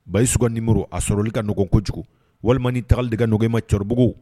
Bayi sugan nimo a sɔrɔli ka n ɲɔgɔn ko kojugu walima tagali de ka n nɛgɛma cbugu